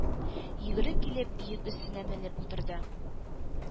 Йөгереп килеп, йөк өстенә менеп утырды.